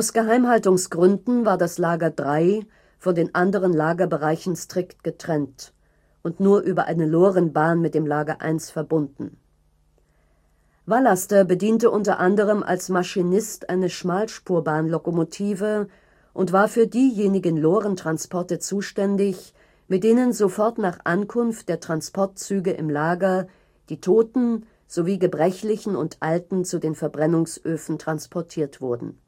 Geheimhaltungsgründen war das Lager III von den anderen Lagerbereichen strikt getrennt und nur über eine Lorenbahn mit dem Lager I verbunden. Vallaster bediente unter anderem als „ Maschinist “eine Schmalspurbahn-Lokomotive und war für diejenigen Loren-Transporte zuständig, mit denen sofort nach Ankunft der Transportzüge im Lager die Toten sowie Gebrechlichen und Alten zu den Verbrennungsöfen transportiert wurden